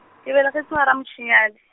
ke belegetšwe ga Ramotshinyadi.